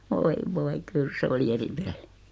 voi voi kyllä se oli eri peli